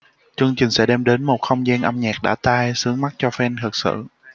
chương trình sẽ đem đến một không gian âm nhạc đã tai sướng mắt cho fan thực sự